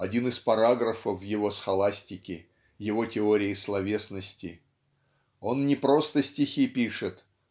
один из параграфов его схоластики его теории словесности. Он не просто стихи пишет